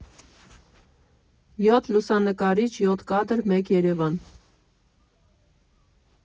Յոթ լուսանկարիչ, յոթ կադր, մեկ Երևան։